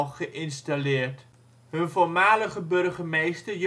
geïnstalleerd, hun voormalige burgemeester